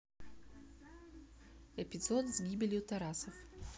эпизод с гибелью тарасов